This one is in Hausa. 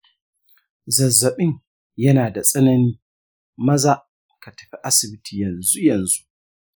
zazzaɓin yana da tsanani, maza ka tafi asibiti yanzu-yanzu.